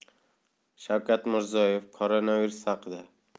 shavkat mirziyoyev koronavirus haqida